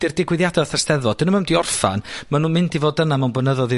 ...'di'r digwyddiada 'tha 'Steddfod, 'dyn nw'm yn mynd i orffan. Ma' nw'n mynd i fod yna mewn blynyddodd i